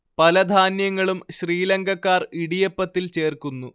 പല ധാന്യങ്ങളും ശ്രീലങ്കക്കാർ ഇടിയപ്പത്തിൽ ചേർക്കുന്നു